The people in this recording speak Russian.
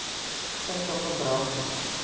сайт okko браузер